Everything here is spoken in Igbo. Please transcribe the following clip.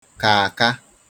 kaa aka